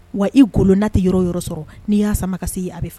Wa i golona tɛ yɔrɔ yɔrɔ sɔrɔ n'i y'a samama ka se i ye a bɛ faga